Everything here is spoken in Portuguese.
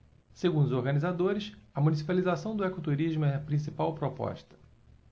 segundo os organizadores a municipalização do ecoturismo é a principal proposta